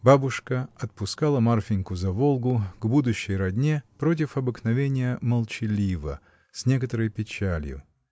Бабушка отпускала Марфиньку за Волгу, к будущей родне, против обыкновения, молчаливо, с некоторой печалью.